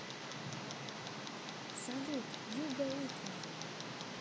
салют юго утром